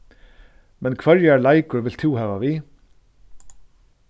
men hvørjar leikur vilt tú hava við